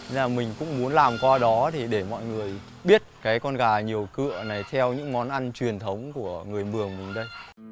là mình cũng muốn làm qua đó thì để mọi người biết cái con gà nhiều cựa này theo những món ăn truyền thống của người mường mình đây